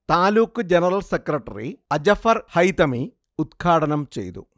taluk general secretary Ajafar Haithami ഉദ്ഘാടനം ചെയ്തു